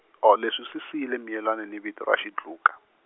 oh leswi swi siyile Miyelani ni vito ra Xidluka.